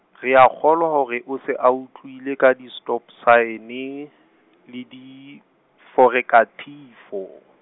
re a kgolwa hore o se a utlwile ka di stop sign le diforekathifo.